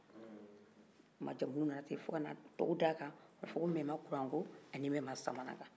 majamuli nana ten fo kana tɔw da kan ka fɔ ko mɛma kurako ani mɛma samagan